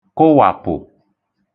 kụwàpụ̀